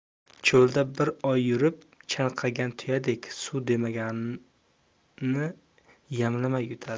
cho'lda bir oy yurib chanqagan tuyadek suv demaganni yamlamay yutadi